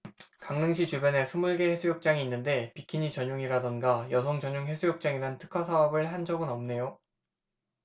강릉시 주변에 스물 개 해수욕장이 있는데 비키니 전용이라든가 여성 전용 해수욕장이라는 특화사업을 한 적은 없네요